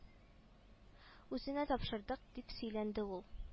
Үзенә тапшырдык дип сөйләнде ул